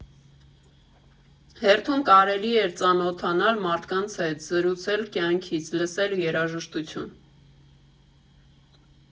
Հերթում կարելի էր ծանոթանալ մարդկանց հետ, զրուցել կյանքից, լսել երաժշտություն։